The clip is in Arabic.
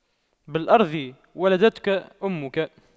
بالأرض ولدتك أمك